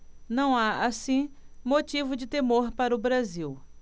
não há assim motivo de temor para o brasil